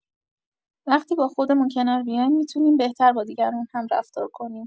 وقتی با خودمون کنار بیایم، می‌تونیم بهتر با دیگران هم رفتار کنیم.